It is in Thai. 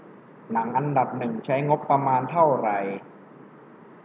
หนังอันดับหนึ่งใช้งบประมาณเท่าไหร่